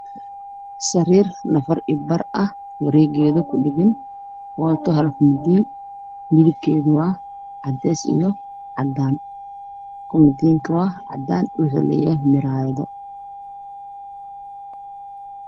Waa sariir nafar iyo bar ah